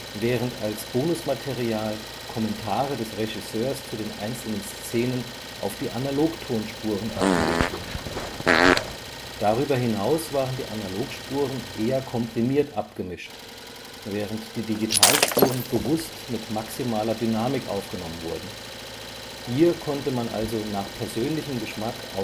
während als Bonusmaterial Kommentare des Regisseurs zu den einzelnen Szenen auf die Analogtonspuren abgelegt wurden; darüber hinaus waren die Analogspuren eher komprimiert abgemischt, während die Digitalspuren bewusst mit maximaler Dynamik aufgenommen wurden - hier konnte man also nach persönlichem Geschmack